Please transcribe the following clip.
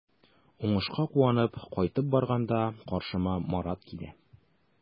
Уңышка куанып кайтып барганда каршыма Марат килә.